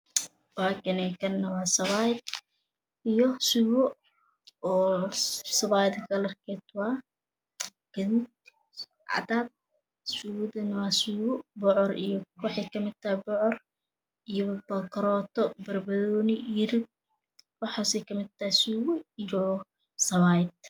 Wakane Kane waa sabayad iyo sugo oo sabayada kalarkedu waa gadud cadaan sugadana waa sugo bocor iyo wexey ka mid tahat bocor iyo koroto bar barooni iyo rug waxase ka mid tahat sugo iyo sabayad